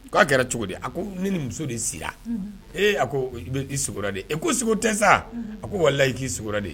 K ko aa kɛra cogo di a ko ne ni muso de sera ee a ko i de e ko sogo tɛ sa a ko wala i k'i sigiyɔrɔko de